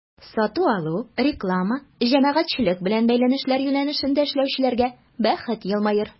Сату-алу, реклама, җәмәгатьчелек белән бәйләнешләр юнәлешендә эшләүчеләргә бәхет елмаер.